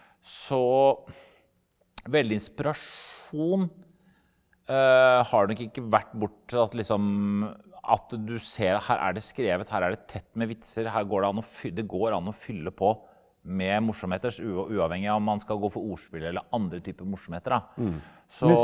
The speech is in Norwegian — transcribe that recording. så veldig inspirasjon har det nok ikke vært bortsett at liksom at du ser at her er det skrevet her er det tett med vitser her går det an å det går an å fylle på med morsomheter uavhengig av om man skal gå for ordspill eller andre typer morsomheter da så.